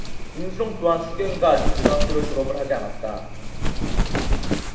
임슬옹 또한 수경이가 아직 고등학교 졸업을 하지 않았다